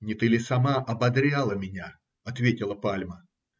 Не ты ли сама ободряла меня? – ответила пальма.